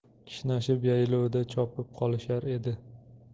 kishnashib yaylovda chopib qolishar edi